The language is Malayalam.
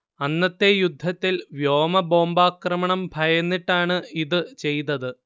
അന്നത്തെ യുദ്ധത്തിൽ വ്യോമ ബോംബാക്രമണം ഭയന്നിട്ടാണ് ഇത് ചെയ്തത്